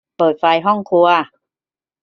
เปิดไฟห้องครัว